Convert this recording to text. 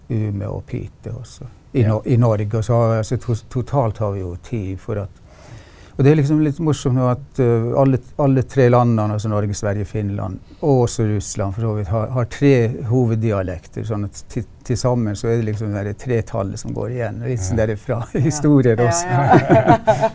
ume og pite også i i Norge og så har altså totalt har vi jo ti for at og det er liksom litt morsom nå at alle alle tre landene altså Norge, Sverige, Finland og også Russland for så vidt har har tre hoveddialekter sånn at til sammen så er det liksom det derre tretallet som går igjen litt sånn derre fra historier også.